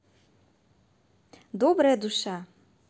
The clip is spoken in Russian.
добрая душа